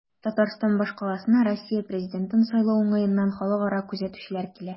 Татарстан башкаласына Россия президентын сайлау уңаеннан халыкара күзәтүчеләр килә.